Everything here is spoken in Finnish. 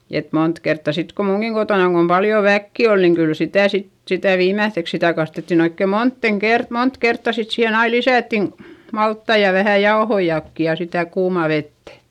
että monta kertaa sitten kun minunkin kotonani kun paljon väkeä oli niin kyllä sitä sitten sitä viimeiseksi sitä kastettiin oikein moneen - monta kertaa sitten siihen aina lisättiin maltaita ja vähän jauhojakin ja sitä kuumaa vettä